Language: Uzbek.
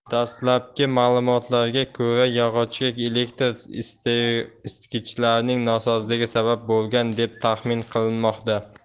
dastlabki ma'lumotlarga ko'ra yong'inga elektr isitgichning nosozligi sabab bo'lgan deb taxmin qilinmoqda